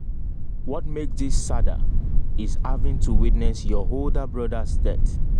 What makes this sadder is having to witness your older brother's death.